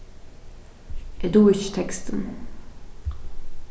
eg dugi ikki tekstin